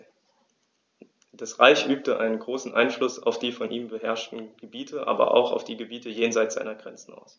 Das Reich übte einen großen Einfluss auf die von ihm beherrschten Gebiete, aber auch auf die Gebiete jenseits seiner Grenzen aus.